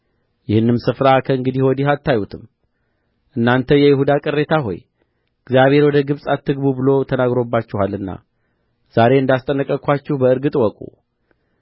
ይህንም ስፍራ ከእንግዲህ ወዲህ አታዩትም እናንተ የይሁዳ ቅሬታ ሆይ እግዚአብሔር ወደ ግብጽ አትግቡ ብሎ ተናግሮባችኋልና ዛሬ እንዳስጠነቀቅኋችሁ በእርግጥ እወቁ